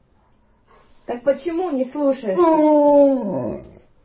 так почему не слушаешься